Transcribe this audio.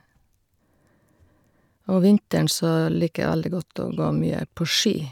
Og vinteren så liker jeg veldig godt å gå mye på ski.